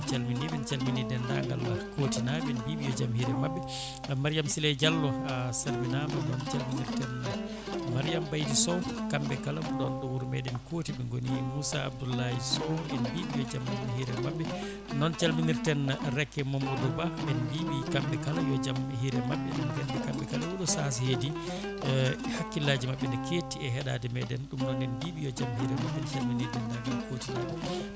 en calminiɓe en calmini dendagal Kooti naaɓe en mbiɓe yo jaam hiire mabɓe Mariame Sileye Diallo a saminima noon calminirten Mariame Baydy Sow kamɓe kala ko ɗon ɗo wuuro meɗen Kooti ɓe gooni e Moussa Abdoulaye Sow en mbiɓe yo jaam hiire mabɓe noon calmirten Raky Mamadou Ba en mbive kamɓe kala yo jaam hiire mabɓe eɗen gandi kamɓe kala oɗo saaha so heedi hakkillaji mabɓe ene ketti e heeɗade meɗen ɗum noon en mbiɓe yo jaam hiire mabɓe en calmini dendagal Kooti naaɓe